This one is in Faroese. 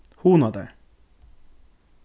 hugna tær